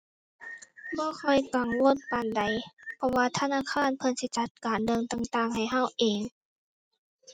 บ่ค่อยกังวลปานใด เพราะว่าธนาคารเพิ่นสิจัดการเรื่องต่างต่างให้เราเอง